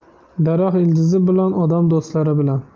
daraxt ildizi bilan odam do'stlari bilan